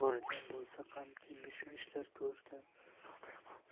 bo'lsa ham mish mishlar ko'kragiga cho'g'day bosilardi